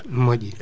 moƴƴi